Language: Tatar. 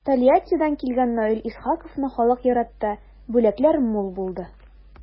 Тольяттидан килгән Наил Исхаковны халык яратты, бүләкләр мул булды.